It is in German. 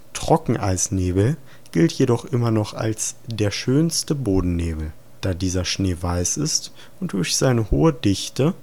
Trockeneis-Nebel gilt jedoch immer noch als der „ schönste Bodennebel “, da dieser schneeweiß ist und durch seine hohe Dichte